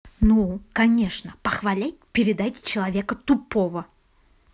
ну конечно похвалять передайте человека тупого